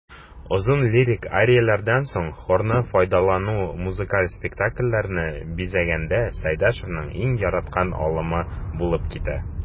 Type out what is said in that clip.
Озын лирик арияләрдән соң хорны файдалану музыкаль спектакльләрне бизәгәндә Сәйдәшевнең иң яраткан алымы булып китә.